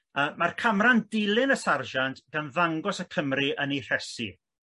Yy mae'r cam'ra'n dilyn y sarjent dan ddangos y Cymry yn i rhesi